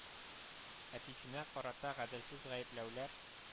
Әтисенә карата гаделсез гаепләүләр